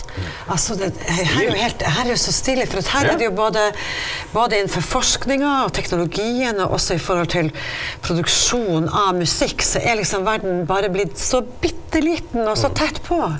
altså det her er jo helt det her er jo så stilig for at her er det jo både både innenfor forskninga og teknologien, og også i forhold til produksjon av musikk så er liksom verden bare blitt så bitte liten og så tett på.